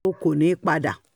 O kò ní padà!'